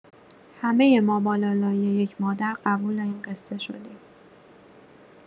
همه ما با لالایی یک مادر قبول این قصه شدیم.